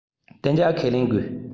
བདེ འཇགས ཁས ལེན དགོས